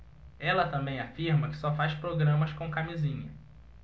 ela também afirma que só faz programas com camisinha